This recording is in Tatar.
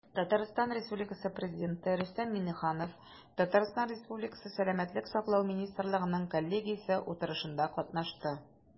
Татарстан Республикасы Президенты Рөстәм Миңнеханов ТР Сәламәтлек саклау министрлыгының коллегиясе утырышында катнашты.